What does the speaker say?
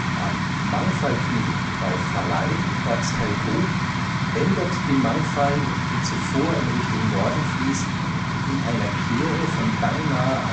Am „ Mangfallknie “bei Valley, Ortsteil Grub, ändert die Mangfall, die zuvor in Richtung Norden fließt, in einer Kehre von beinahe